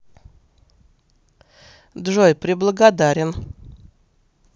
джой преблагодарен